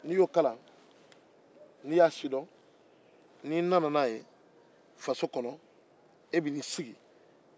n'i y'o kalan k'a sidɔn e bɛ n'i sigi n'o ye faso kɔnɔ